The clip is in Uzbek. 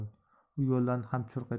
u yo'lda ham churq etmadi